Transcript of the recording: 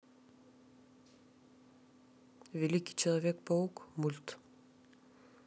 великий человек паук мульт